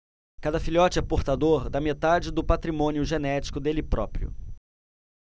cada filhote é portador da metade do patrimônio genético dele próprio